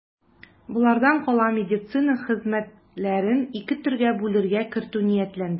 Болардан кала медицина хезмәтләрен ике төргә бүләргә кертү ниятләнде.